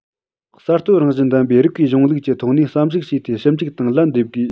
གསར གཏོད རང བཞིན ལྡན པའི རིགས པའི གཞུང ལུགས ཀྱི ཐོག ནས བསམ གཞིགས བྱས ཏེ ཞིབ འཇུག དང ལན འདེབས དགོས